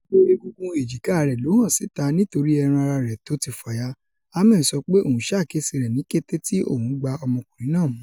Gbogbo egungun èjìká rẹ̀ ló hàn síta nítorí ẹran ara tó ti fàya,'' Hammel sọ pé òun ṣàkíyèsí rẹ̀ ní kété tí òun gbà ọmọkùnrin náà mú.